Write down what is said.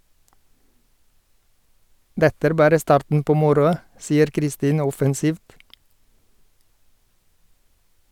- Dette er bare starten på moroa, sier Kristine offensivt.